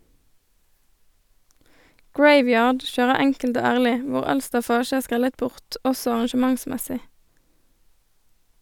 Graveyard kjører enkelt og ærlig, hvor all staffasje er skrellet bort også arrangementsmessig.